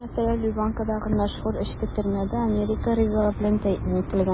Мәсәлән, Лубянкадагы мәшһүр эчке төрмә дә америка ризыгы белән тәэмин ителгән.